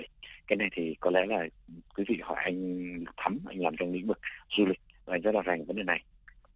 cái này thì có lẽ là quý vị hỏi anh thắm anh làm trong lĩnh vực du lịch và anh rất là rành vấn đề này